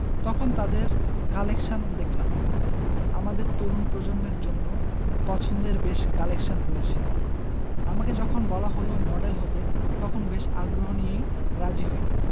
তখন তাদের কালেকশান দেখলাম আমাদের তরুণ প্রজন্মের জন্য পছন্দের বেশ কালেকশন রয়েছে আমাকে যখন বলা হলো মডেল হতে তখন বেশ আগ্রহ নিয়েই রাজি হই